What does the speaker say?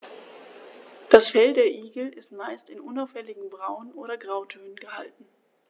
Das Fell der Igel ist meist in unauffälligen Braun- oder Grautönen gehalten.